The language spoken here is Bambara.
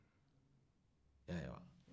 e y'a ye wa